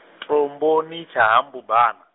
tomboni tsha Ha Mbubana.